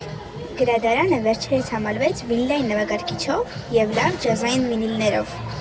Գրադարանը վերջերս համալվեց վինիլային նվագարկիչով և լավ ջազային վինիլներով։